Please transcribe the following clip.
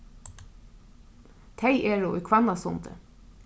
tey eru í hvannasundi